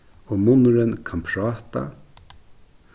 og munnurin kann práta